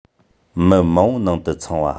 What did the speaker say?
མི མང པོའི ནང དུ འཚང བ